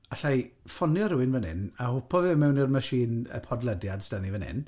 Alla i ffonio rywun fan hyn, a hwpo fe mewn i'r machine y podlediad sy 'da ni fan hyn.